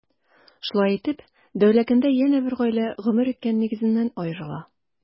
Шулай итеп, Дәүләкәндә янә бер гаилә гомер иткән нигезеннән аерыла.